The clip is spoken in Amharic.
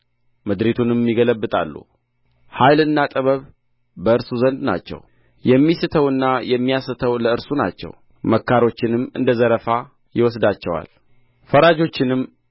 ምድሪቱንም ይገለብጣሉ ኃይልና ጥበብ በእርሱ ዘንድ ናቸው የሚስተውና የሚያስተው ለእርሱ ናቸው መካሮችንም እንደ ዘረፋ ይወስዳቸዋል ፈራጆችንም